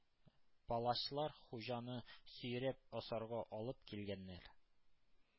Палачлар Хуҗаны сөйрәп асарга алып килгәннәр.